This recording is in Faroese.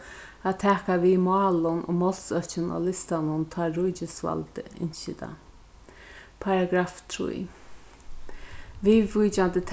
at taka við málum og málsøkjum á listanum tá ríkisvaldið ynskir tað paragraf trý viðvíkjandi